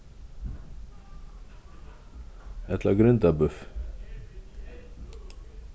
ella á grindabúffi